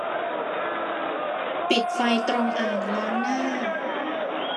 ปิดไฟตรงอ่างล้างหน้า